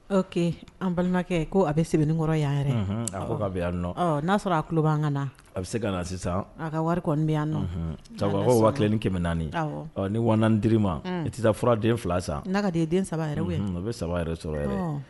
Ɔke an balimakɛ ko a bɛ sɛbɛnkɔrɔ yan yɛrɛ a ko'a bɛ yan nɔ n'a sɔrɔ a ku' an kana a bɛ se ka na sisan a ka wari bɛ yan nɔ waa kelen ni kɛmɛ naani ni w d ma i tɛ fura den fila san n' ka ye den saba o bɛ saba yɛrɛ sɔrɔ